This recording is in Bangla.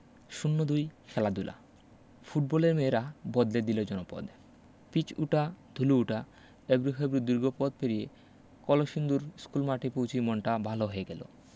০২খেলাদুলা ফুটবলের মেয়েরা বদলে দিল জনপদ পিচ উঠা ধুলু উটা এবড়োখেবড়ো দীর্ঘ পথ পেরিয়ে কলসিন্দুর স্কুলমাঠে পৌঁছেই মনটা ভালো হয়ে গেল